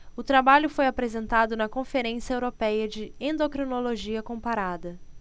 o trabalho foi apresentado na conferência européia de endocrinologia comparada